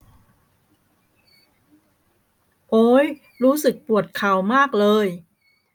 โอ้ยรู้สึกปวดเข่ามากเลย